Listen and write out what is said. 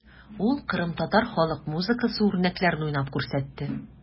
Ул кырымтатар халык музыкасы үрнәкләрен уйнап күрсәтте.